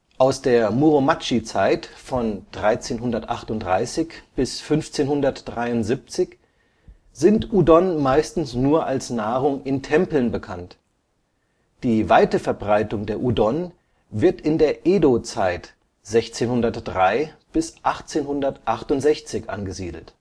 Aus der Muromachi-Zeit (von 1338 bis 1573) sind Udon meistens nur als Nahrung in Tempeln bekannt, die weite Verbreitung der Udon wird in der Edo-Zeit (1603 bis 1868) angesiedelt